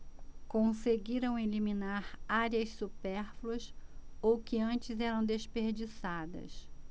conseguiram eliminar áreas supérfluas ou que antes eram desperdiçadas